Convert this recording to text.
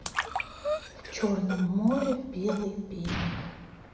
в черном море в белой пене